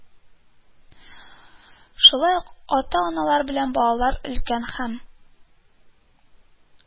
Шулай ук ата-аналар белән балалар, өлкән һәм